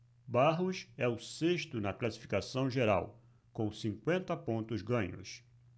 barros é o sexto na classificação geral com cinquenta pontos ganhos